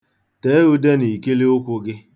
Tee ude n'ikilụkwụ gị.